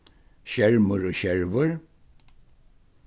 skermur og skervur